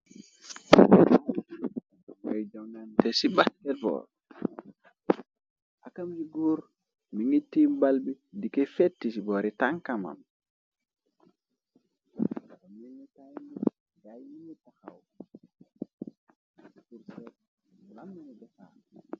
Ay jawnante ci basketball, akam ci góor mi ngi tiim balbi dika fettici boori tankaamam on mangi taayn gaay yini paxawamn befa.